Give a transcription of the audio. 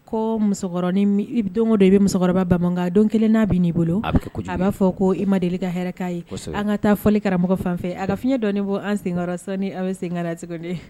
Ko musokɔrɔni i bɛ, don o don i bɛ musokɔrɔba bamu nka don 1 n'a binna i bolo. A bɛ kɛ kojugu ye. A b'a fɔ ko i ma deli ka hɛrɛ k'a ye. Kosɛbɛ. An ka taa fɔli karamɔgɔ fan fɛ a ka fiɲɛ dɔnni bɔ an sen kɔrɔ sɔɔni an bɛ segi kana tuguni.